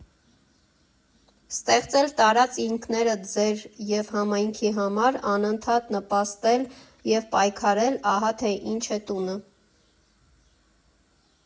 Ստեղծել տարածք ինքներդ ձեր և համայնքի համար, անընդհատ նպաստել և պայքարել՝ ահա թե ինչ է տունը։